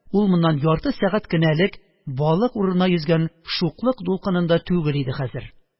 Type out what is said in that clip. Ул моннан ярты сәгать кенә элек балык урынына йөзгән шуклык дулкынында түгел иде хәзер.